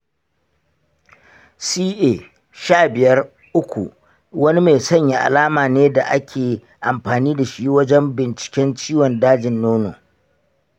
ca 15-3 wani mai sanya alama ne da ake amfani da shi wajen binciken ciwon dajin nono.